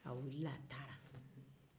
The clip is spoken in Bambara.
a wulila a taara